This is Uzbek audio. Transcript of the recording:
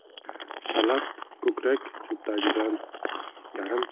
talat ko'krak cho'ntagidan yarim